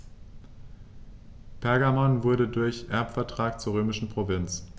Pergamon wurde durch Erbvertrag zur römischen Provinz.